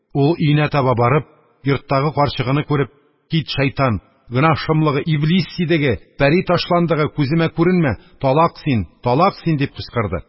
Ул, өенә таба барып, йорттагы карчыгыны күреп: – кит, шәйтан!.. гөнаһ шомлыгы, иблис сидеге, пәри ташландыгы, күземә күренмә!.. талак син, талак син!.. – дип кычкырды.